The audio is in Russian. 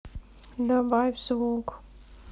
добавь звук